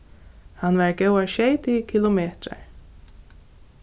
hann var góðar sjeyti kilometrar